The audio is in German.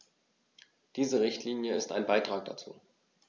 Diese Richtlinie ist ein Beitrag dazu.